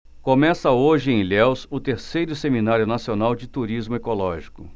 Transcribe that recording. começa hoje em ilhéus o terceiro seminário nacional de turismo ecológico